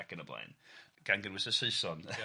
ac yn y blaen, gan gynnwys y Saeson ia,